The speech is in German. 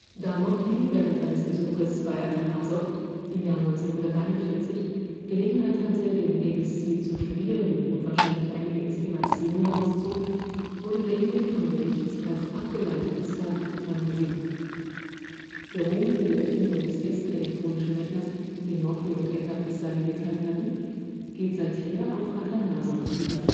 Da Mauchly während eines Besuches bei Atanasoff im Jahr 1941 Gelegenheit hatte, den ABC zu studieren, und wahrscheinlich einige Inspiration daraus zog, wurde der ENIAC vom Gericht als abgeleitetes Werk angesehen. Der Ruhm für die Erfindung des ersten elektronischen Rechners, den Mauchly und Eckert bis dahin geteilt hatten, geht seither auf Atanasoff über